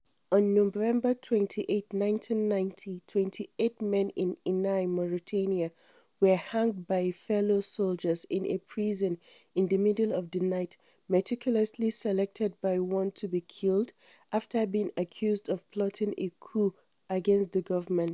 On November 28, 1990, 28 men in Inal, Mauritania, were hanged by fellow soldiers in a prison the middle of the night, meticulously selected one by one to be killed, after being accused of plotting a coup against the government.